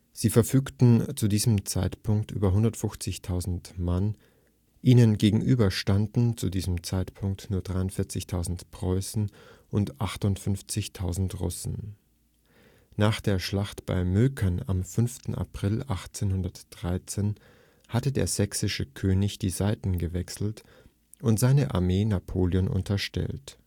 Sie verfügten zu dem Zeitpunkt über 150.000 Mann. Ihnen gegenüber standen zu diesem Zeitpunkt nur 43.000 Preußen und 58.000 Russen. Nach der Schlacht bei Möckern am 5. April 1813 hatte der sächsische König die Seiten gewechselt und seine Armee Napoleon unterstellt